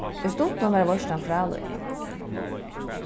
í stuttum var veitslan frálík